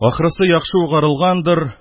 Ахрысы яхшы ук арылгандыр,